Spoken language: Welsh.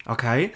Ocei?